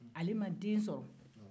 ale ma den sɔrɔ